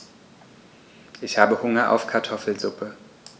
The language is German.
Ich habe Hunger auf Kartoffelsuppe.